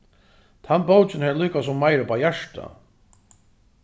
tann bókin hevði líkasum meira upp á hjarta